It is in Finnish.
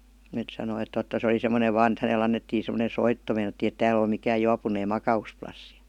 että sanoi että totta se oli semmoinen vain että hänelle annettiin semmoinen soitto meinattiin ei täällä ole mikään juopuneen makausplassi